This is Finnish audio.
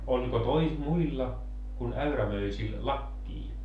no oliko muilla kuin äyrämöisillä lakkia